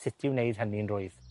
sut i wneud hynny'n rwydd.